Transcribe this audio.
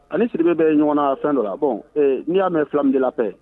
Ani siri bɛ ye ɲɔgɔn na fɛn dɔ la bɔn n'i y'a mɛn filamdi la pe